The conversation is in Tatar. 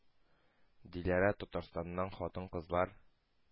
Диләрә Татарстанның хатын-кызлар